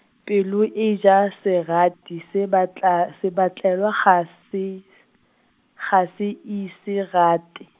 pelo e ja serati sebatla sebatlelwa ga se, ga se ise rate.